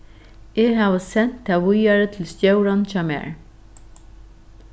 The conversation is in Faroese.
eg havi sent tað víðari til stjóran hjá mær